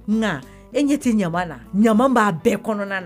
Nka e ɲɛ tɛ ɲaman na ɲaman b'a bɛɛ kɔnɔna na